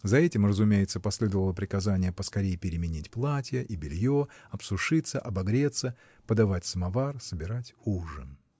За этим, разумеется, последовало приказание поскорей переменить платье и белье, обсушиться, обогреться, подавать самовар, собирать ужин.